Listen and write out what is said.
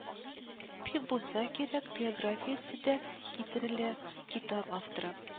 Пик булса кирәк) биографиясе дә китерелә: китап авторы,